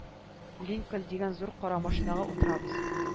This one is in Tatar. Линкольн дигән зур кара машинага утырабыз